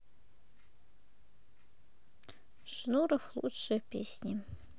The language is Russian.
шнуров лучшие песни